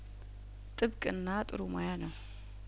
ጥብቅና ጥሩ ሙያነው